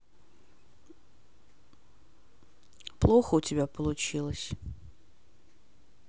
плохо у тебя получилось